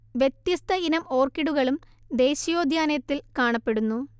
വ്യത്യസ്ത ഇനം ഓർക്കിഡുകളും ദേശീയോദ്യാനത്തിൽ കാണപ്പെടുന്നു